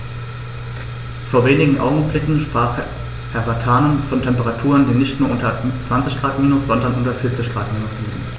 Vor wenigen Augenblicken sprach Herr Vatanen von Temperaturen, die nicht nur unter 20 Grad minus, sondern unter 40 Grad minus liegen.